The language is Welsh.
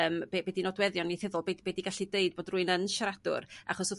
Yym be be 'di nodweddion ieithyddol? Be di gallu deud bod rwy'n yn siaradwr? Achos wrth